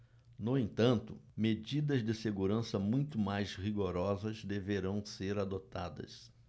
no entanto medidas de segurança muito mais rigorosas deverão ser adotadas